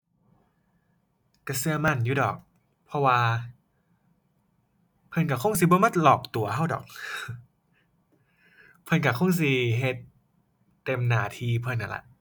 ก็ก็มั่นอยู่ดอก เพราะว่า เพิ่นก็คงสิบ่มาหลอกตั๋วก็ดอก เพิ่นก็คงสิเฮ็ด เต็มหน้าที่เพิ่นนั่นล่ะ